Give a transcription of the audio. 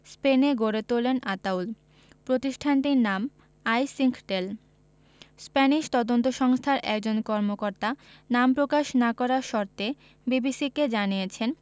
স্পেনে গড়ে তোলেন আতাউল প্রতিষ্ঠানটির নাম আইসিংকটেল স্প্যানিশ তদন্ত সংস্থার একজন কর্মকর্তা নাম প্রকাশ না করার শর্তে বিবিসিকে জানিয়েছেন